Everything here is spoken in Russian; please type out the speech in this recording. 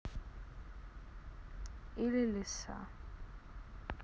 или лиса